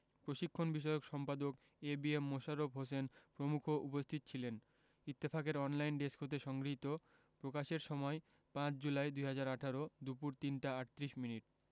প্রশিক্ষণ বিষয়ক সম্পাদক A B M Mosharraf Hossain প্রমুখ উপস্থিত ছিলেন ইত্তফাকের অনলাইন ডেস্ক হতে সংগৃহীত প্রকাশের সময় ৫ জুলাই ২০১৮ দুপুর ৩টা ৩৮ মিনিট